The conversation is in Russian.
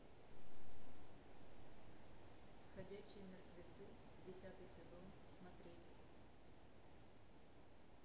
ходячие мертвецы десятый сезон смотреть